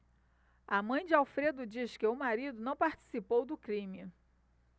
a mãe de alfredo diz que o marido não participou do crime